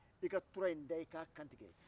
i ka tura in da i k'a kantigɛ